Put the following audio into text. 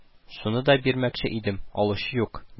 – шуны да бирмәкче идем, алучы юк, – ди